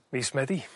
Mis Medi